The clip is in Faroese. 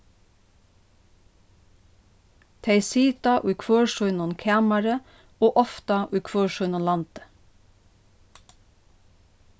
tey sita í hvør sinum kamari og ofta í hvør sínum landi